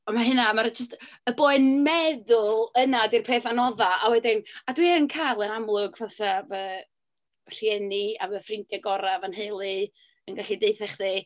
A ma' hynna... mae'r jyst y boen meddwl yna 'di'r peth anodda. A wedyn a dwi yn cael, yn amlwg, fysa fy yy rhieni a fy ffrindiau gorau, fy nheulu, yn gallu deutha chdi...